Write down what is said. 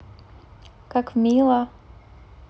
как мило